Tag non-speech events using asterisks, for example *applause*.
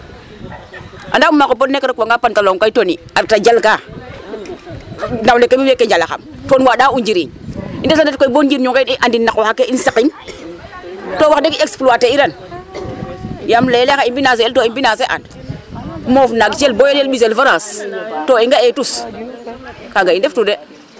Anda yee kay o maak o pod neke rokwanga pantalon kay tenue a reta jalka nawle, nawle keeke na mi' a njalaxam i ndeta ndet koy bo njiriñ onqeene i andin na qoox ake in saqin to wax deg i exploiter iran *crosstalk* yaam laya, laya xayo financer el to i mbinase'an moom nan cel bo weke ɓiselooyo France te i nga'ee tus kaaga i ndeftu de .